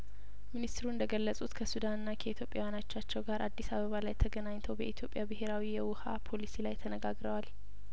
ሚኒስትሩ እንደገለጹት ከሱዳንና ከኢትዮጵያን አቻቸው ጋር አዲስ አበባ ላይ ተገናኝተው በኢትዮጵያ ብሄራዊ የውሀ ፖሊሲ ላይ ተነጋግረዋል